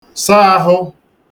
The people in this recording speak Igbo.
-sa ahụ